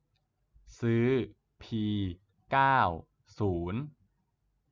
ซื้อพีเก้าศูนย์